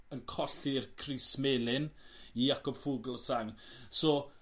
yn colli'r crys melyn i Jakob Fuglsang so